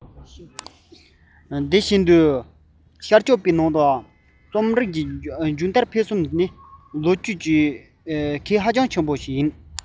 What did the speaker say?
དེ བཞིན ཤར ཕྱོགས པའི ནང དུའང རྩོམ རིག གི བྱུང དར འཕེལ གསུམ གྱི ལོ རྒྱུས ནི ཤིན ཏུའང རིང པོ ཡིན